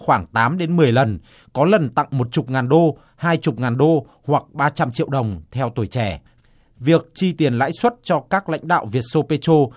khoảng tám đến mười lần có lần tặng một chục ngàn đô hai chục ngàn đô hoặc ba trăm triệu đồng theo tuổi trẻ việc chi tiền lãi suất cho các lãnh đạo việt sô pê trô